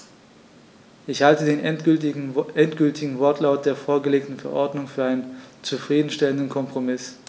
Ich halte den endgültigen Wortlaut der vorgelegten Verordnung für einen zufrieden stellenden Kompromiss.